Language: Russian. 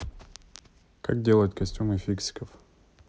как делать костюмы фиксиков